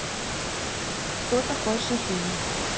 кто такой шахин